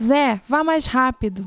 zé vá mais rápido